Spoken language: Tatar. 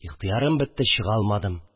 Ихтыярым бетте, чыга алмадым